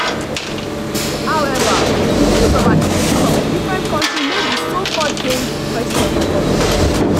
However, the use of an image from a different country made the so-called "gains" questionable.